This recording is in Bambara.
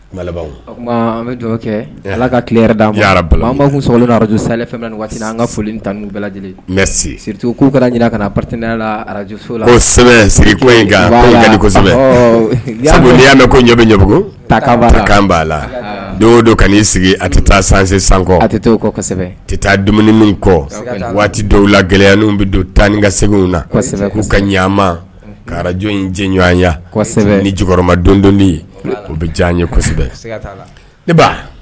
Ala ka mɛn ko bɛ ɲɛ la don don ka'i sigi a tɛ taa san sankɔ taa dumuni kɔ waati dɔw la gɛlɛya bɛ don tan ni ka seginw na' ka ɲaaama kaj jɛɲɔgɔnya kosɛbɛ nima dond o bɛ diya ye kosɛbɛ